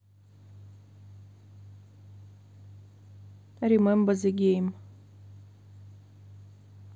remember the game